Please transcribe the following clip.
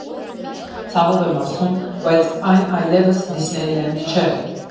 Ցավով եմ ասում, բայց այն այլևս «Դիսնեյ Լենդ» չէ։